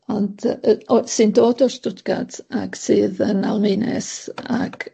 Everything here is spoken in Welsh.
ond yy yy o sy'n dod o Stuttgart ac sydd yn Almaenes ac